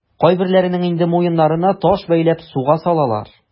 Кайберләренең инде муеннарына таш бәйләп суга салалар.